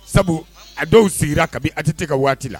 Sabu a dɔw sigira kabi a tɛ se ka waati la